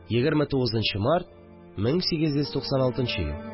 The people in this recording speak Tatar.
29 нчы март 1896 ел